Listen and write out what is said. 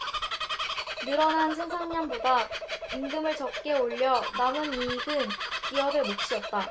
늘어난 생산량보다 임금을 적게 올려 남은 이익은 기업의 몫이었다